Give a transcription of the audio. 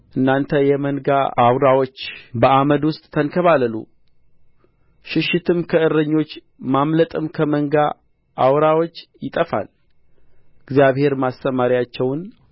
እናንተ የመንጋ አውራዎች በአመድ ውስጥ ተንከባለሉ ሽሽትም ከእረኞች ማምለጥም ከመንጋ አውራዎች ይጠፋል እግዚአብሔር ማሰማርያቸውን